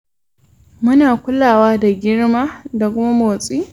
mu na kulawa da girma da kuma motsi